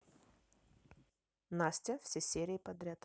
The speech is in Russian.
настя все серии подряд